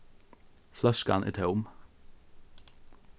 fløskan er tóm